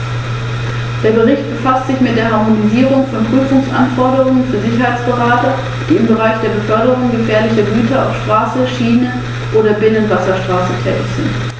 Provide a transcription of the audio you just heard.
Ich danke Frau Schroedter für den fundierten Bericht.